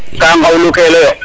ka ngawlu keloyo